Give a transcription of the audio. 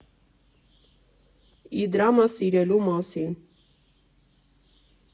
ԻԴՐԱՄԸ ՍԻՐԵԼՈՒ ՄԱՍԻՆ։